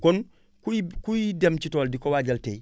kon kuy kuy dem ci tool di ko waajal tey